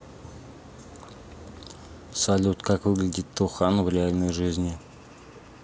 салют как выглядит тохан в реальной жизни